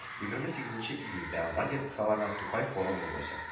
Егерме сигезенче июньдә лагерь кысаларына Тукай форумы узачак